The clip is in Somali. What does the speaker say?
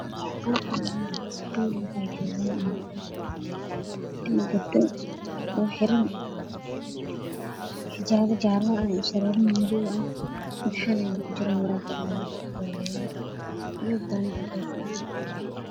Waa iskuul waxaa fadhiya gabdho wataan xijaabo jaalle ah indha shareer madow ah kuraas jaalle ayey ku fadhiyaan